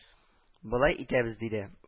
— болай итәбез, — диде